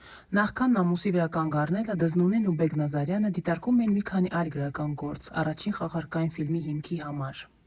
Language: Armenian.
Նախքան «Նամուսի» վրա կանգ առնելը Դզնունին ու Բեկ֊Նազարյանը դիտարկում էին մի քանի այլ գրական գործ՝ առաջին խաղարկային ֆիլմի հիմքի համար։